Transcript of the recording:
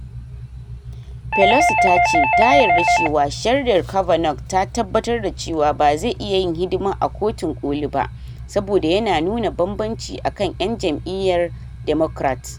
Pelosi tace ta yarda cewa shaidar Kavanaugh ta tabbatar da cewa bazai iya yin hidima a kotun koli ba, saboda yana nuna bambanci akan yan jam’iyyar Democrat.